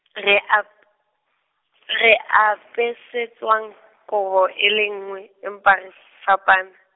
re ap-, re apesitswang kobo e le nngwe empa re fapane.